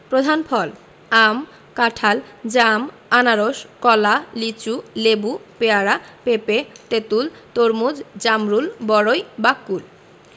প্রধান ফলঃ আম কাঁঠাল জাম আনারস কলা লিচু লেবু পেয়ারা পেঁপে তেঁতুল তরমুজ জামরুল বরই বা কুল